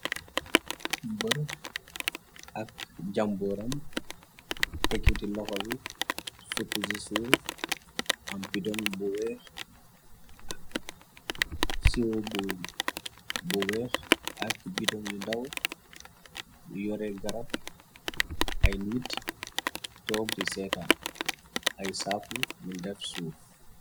Mbër ak jàmbooram ekiti loxowi sukkusi suuf am pidon bu weex ak siob bu weex ak bidon yu ndaw yore garab ay nit toog ti seetaan ay saaku yu ndef suuf.